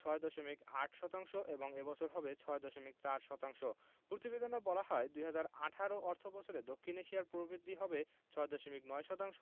৬.৮ শতাংশ এবং এ বছর হবে ৬.৪ শতাংশ প্রতিবেদনে বলা হয় ২০১৮ অর্থবছরে দক্ষিণ এশিয়ায় প্রবৃদ্ধি হবে ৬.৯ শতাংশ